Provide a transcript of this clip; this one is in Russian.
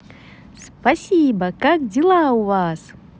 спасибо как дела у вас